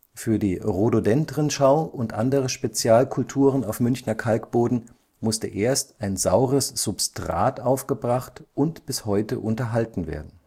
Für die Rhododendren-Schau und andere Spezial-Kulturen auf Münchner Kalkboden musste erst ein saures Substrat aufgebracht und bis heute unterhalten werden